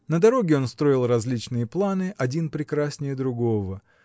На дороге он строил различные планы, один прекраснее другого